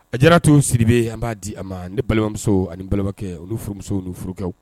A diyara to siribi an b'a di a ma ni balimamuso ani balimabakɛ olu furumuso olu furu